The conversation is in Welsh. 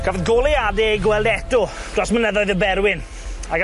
Cafodd goleuade eu gweld eto dros mynyddoedd y Berwyn ag